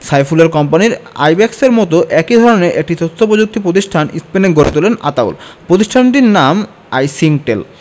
সাইফুলের কোম্পানি আইব্যাকসের মতো একই ধরনের একটি তথ্যপ্রযুক্তি প্রতিষ্ঠান স্পেনে গড়ে তোলেন আতাউল প্রতিষ্ঠানটির নাম আইসিংকটেল